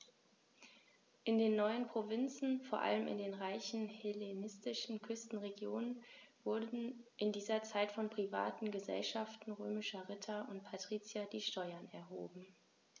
In den neuen Provinzen, vor allem in den reichen hellenistischen Küstenregionen, wurden in dieser Zeit von privaten „Gesellschaften“ römischer Ritter und Patrizier die Steuern erhoben.